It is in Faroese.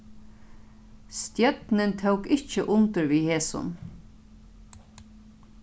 stjórnin tók ikki undir við hesum